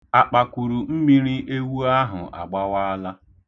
Akpakwuru mmiri ewu ahụ agbawaala.